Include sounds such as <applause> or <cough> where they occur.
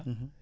<hesitation> <hesitation>